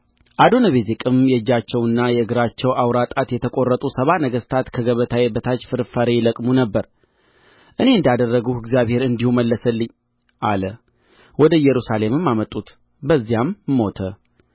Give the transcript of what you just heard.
አዶኒቤዜቅም የእጃቸውና የእግራቸው አውራ ጣት የተቈረጡ ሰባ ነገሥታት ከገበታዬ በታች ፍርፋሪ ይለቅሙ ነበር እኔ እንዳደረግሁ እግዚአብሔር እንዲሁ መለሰልኝ አለ ወደ ኢየሩሳሌምም አመጡት በዚያም ሞተ